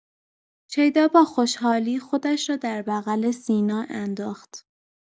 شیدا با خوشحالی خودش را در بغل سینا انداخت.